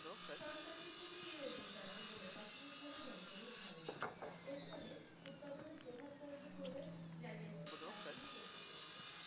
short circuit থেকেই এই অগ্নিকাণ্ড বলে প্রাথমিক ভাবে দমকলের ধারণা এর ফলে উৎপাদনে প্রভাব পড়বে বলে জানিয়েছে কারখানা কর্তৃপক্ষ